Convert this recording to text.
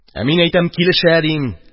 Ә мин әйтәм, килешә, дим